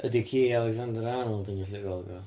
Ydy ci Alexander Arnold yn gallu gweld ghosts?